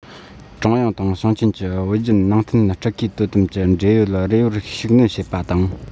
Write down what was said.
ཀྲུང དབྱང དང ཞིང ཆེན གྱི བོད བརྒྱུད ནང བསྟན སྤྲུལ སྐུའི དོ དམ གྱི འབྲེལ ཡོད རེ བར ཤུགས སྣོན བྱེད པ དང